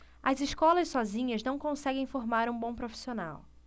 as escolas sozinhas não conseguem formar um bom profissional